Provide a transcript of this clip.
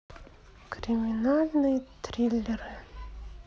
криминальные триллеры